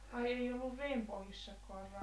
ai ei ollut reenpohjissakaan -